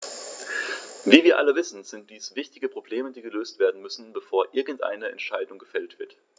Wie wir alle wissen, sind dies wichtige Probleme, die gelöst werden müssen, bevor irgendeine Entscheidung gefällt wird.